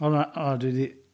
O na, o, dwi 'di.